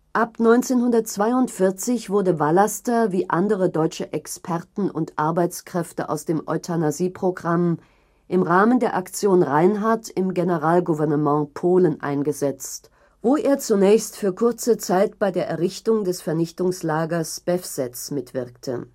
Ab 1942 wurde Vallaster wie andere deutsche „ Experten “und Arbeitskräfte aus dem „ Euthanasie “- Programm im Rahmen der „ Aktion Reinhardt “im Generalgouvernement (Polen) eingesetzt, wo er zunächst für kurze Zeit bei der Errichtung des Vernichtungslagers Belzec mitwirkte